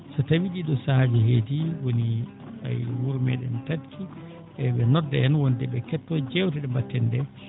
so tawii ɗii ɗoo sahaaji heedi woni ayi wuro meeɗen Taccu eɓe nodda en wonde ɓe kettoo jeewte ɗe mbaɗeten ɗee